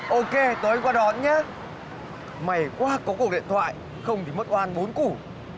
ô kê tối anh qua đón nhớ may quá có cuộc điện thoại không thì mất oan bốn củ